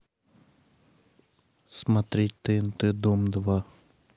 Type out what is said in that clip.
смотреть тнт дом два